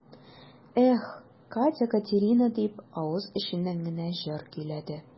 Эх, Катя-Катерина дип, авыз эченнән генә җыр көйләде.